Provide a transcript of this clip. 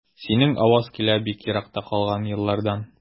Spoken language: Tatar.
Синең аваз килә бик еракта калган еллардан.